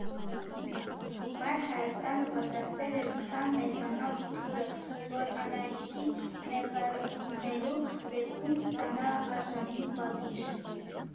Մայր Հայաստանը պատրաստել էր քսան մետրանոց թուրը, որ Անահիտին նեղացնելու դեպքում, ստանա արժանի պատիժ։